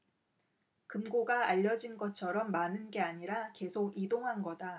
금고가 알려진 것처럼 많은 게 아니라 계속 이동한 거다